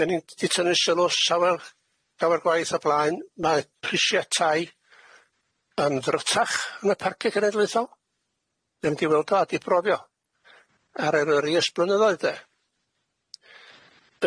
Dan ni'n d- d- tynnu sylws sawl dawer gwaith o blaen mae prisiau tai yn ddrwtach yn y parciau genedlaethol, ddim di weld o a di brofio, ar yr oerious blynyddoedd de.